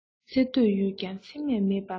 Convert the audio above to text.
ཚེ སྟོད ཡོད ཀྱང ཚེ སྨད མེད པ མང